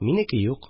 Минеке юк